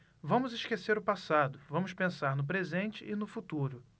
vamos esquecer o passado vamos pensar no presente e no futuro